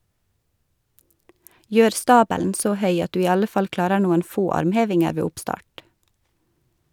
Gjør stabelen så høy at du i alle fall klarer noen få armhevinger ved oppstart.